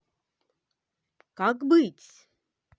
как быть